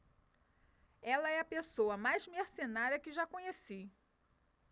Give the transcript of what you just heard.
ela é a pessoa mais mercenária que já conheci